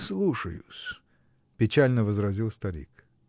-- Слушаю-с, -- печально возразил старик.